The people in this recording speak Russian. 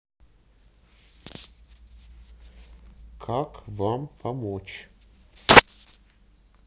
как вам помочь